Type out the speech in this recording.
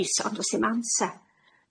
oes ond do's dim amsar.